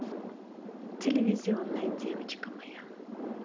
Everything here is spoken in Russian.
телевизионная девочка моя